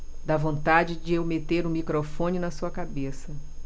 dá vontade de eu meter o microfone na sua cabeça